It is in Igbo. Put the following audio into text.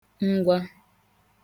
ngwa